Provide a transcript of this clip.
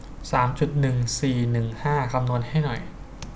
สามจุดหนึ่งสี่หนึ่งห้าคำนวณให้หน่อย